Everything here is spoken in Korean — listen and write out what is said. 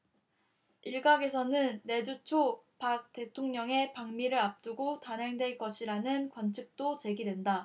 일각에서는 내주 초 박 대통령의 방미를 앞두고 단행될 것이라는 관측도 제기된다